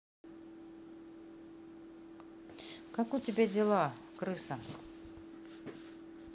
как у тебя дела крыса